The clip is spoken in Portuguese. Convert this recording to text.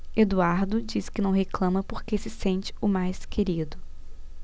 eduardo diz que não reclama porque se sente o mais querido